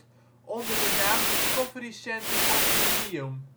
onder de naam Discovery Center Continium